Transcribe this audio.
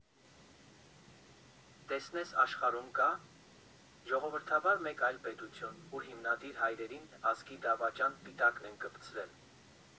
Տեսնես աշխարհում կա՞ ժողովրդավար մեկ այլ պետություն, ուր հիմնադիր հայրերին «ազգի դավաճան» պիտակն են կպցրել։